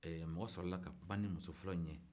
ee mɔgɔ sɔrɔ la ka kuma ni muso fɔlɔ in ye